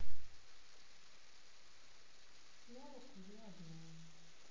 снова курю одна